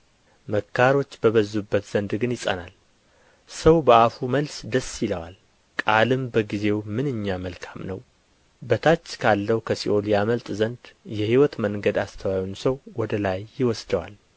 መካሮች በበዙበት ዘንድ ግን ይጸናል ሰው በአፉ መልስ ደስ ይለዋል ቃልም በጊዜው ምንኛ መልካም ነው በታች ካለው ከሲኦል ያመልጥ ዘንድ የሕይወት መንገድ አስተዋዩን ሰው ወደ ላይ ይወስደዋል